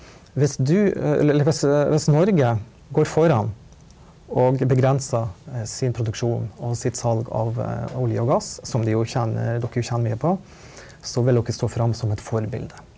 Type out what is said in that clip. hvis du hvis hvis Norge går foran og begrenser sin produksjon og sitt salg av olje og gass som de jo dere tjener jo mye på så vil dere stå fram som et forbilde.